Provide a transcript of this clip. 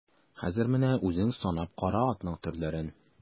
Хәзер менә үзең санап кара атның төрләрен.